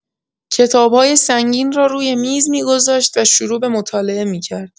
کتاب‌های سنگین را روی میز می‌گذاشت و شروع به مطالعه می‌کرد.